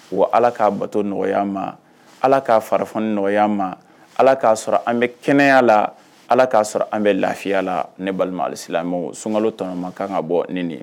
Wa Ala ka bato nɔgɔya an ma, Ala k'a farifonni nɔgɔya an ma, Ala k'a sɔrɔ an bɛ kɛnɛya la, Ala k'a sɔrɔ an bɛ lafiya la ne balima alisilamɛw, sunkalo tɔnɔma kan ka bɔ ni nin ye.